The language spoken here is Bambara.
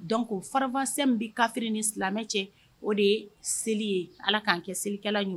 Dɔnku ko farafasɛ bɛ kafiri ni silamɛmɛ cɛ o de ye seli ye ala k ka'an kɛ selikɛla ɲɔgɔn